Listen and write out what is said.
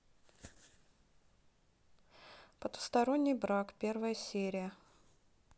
потусторонний брак первая серия